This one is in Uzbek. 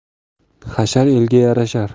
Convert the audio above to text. hashar elga yarashar